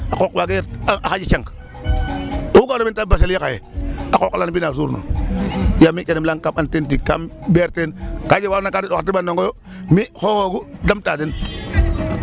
A qooq waagee ret a xaƴa cang oxu ga'oona men ta ref bachelier xaye a qooq ala mbind suurnun yaam ke neem layang kaam and ten tig kaam ɓeer teen ka jeg wa andoona yee ka nde'u xa teɓandong oyo mi' xooxoogu damta den.